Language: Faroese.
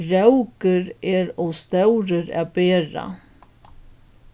rókur er ov stórur at bera